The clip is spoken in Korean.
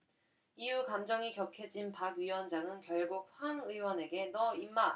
이후 감정이 격해진 박 위원장은 결국 황 의원에게 너 임마